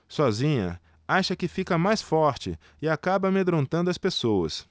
sozinha acha que fica mais forte e acaba amedrontando as pessoas